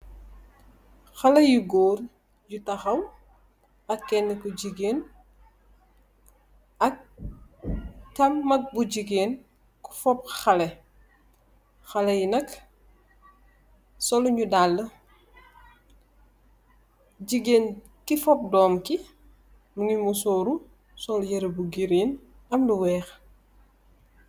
Haleh yu goor yu tahaw ak kene ku jegain ak tam mag bu jegain ku fupp haleh, haleh yenak solunu dalle jegain ke fupp dom ke muge mosuru sol yereh bu green amlu weehe.